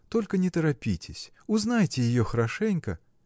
Только не торопитесь: узнайте ее хорошенько.